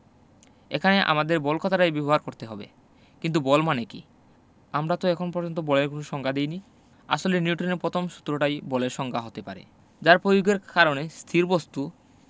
এখানে আমাদের বল কথাটাই ব্যবহার করতে হবে কিন্তু বল মানে কী আমরা তো এখন পর্যন্ত বলের কোনো সংজ্ঞা দিইনি আসলে নিউটনের পথম সূত্রটাই বলের সংজ্ঞা হতে পারে যার পয়োগের কারণে স্থির বস্তু